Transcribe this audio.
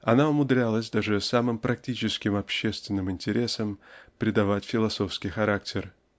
она умудрялась даже самым практическим общественным интересам придавать философский характер